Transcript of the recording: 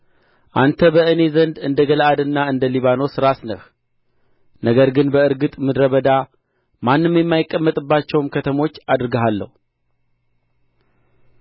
አንተ በእኔ ዘንድ እንደ ገለዓድና እንደ ሊባኖስ ራስ ነህ ነገር ግን በእርግጥ ምድረ በዳ ማንም የማይቀመጥባቸውም ከተሞች አደርግሃለሁ